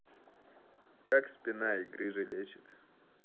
как спина и грыжи лечит